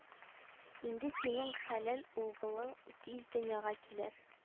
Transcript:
Инде синең хәлял углың тиз дөньяга килер